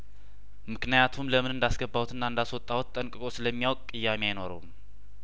ምክንያቱም ለምን እንዳስገባ ሁትና እንዳስ ወጣሁት ጠንቅቆ ስለሚ ያውቅ ቅያሜ አይኖረውም